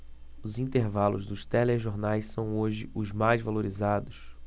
os intervalos dos telejornais são hoje os mais valorizados